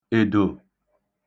èdò